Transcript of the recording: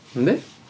Yndi?